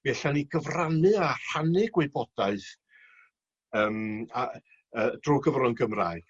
mi alla'n ni gyfrannu a rhannu gwybodaeth yym a yy drw gyfrwn' Gymraeg.